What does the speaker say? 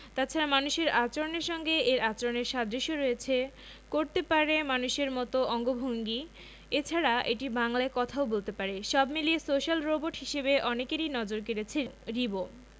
তাছাড়া মানুষের আচরণের সঙ্গে এর আচরণের সাদৃশ্য রয়েছে করতে পারে মানুষের মতো অঙ্গভঙ্গি এছাড়া এটি বাংলায় কথাও বলতে পারে সব মিলিয়ে সোশ্যাল রোবট হিসেবে অনেকেরই নজর কেড়েছে রিবো